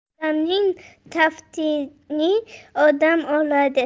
odamning taftini odam olar